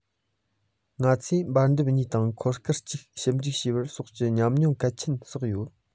ང ཚོས འབར མདེལ གཉིས དང འཁོར སྐར གཅིག ཞིབ བཟོ བྱས པ སོགས ཀྱི ཉམས མྱོང གལ ཆེན བསགས ཡོད